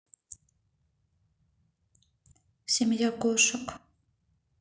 семья кошек